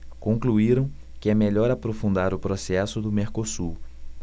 concluíram que é melhor aprofundar o processo do mercosul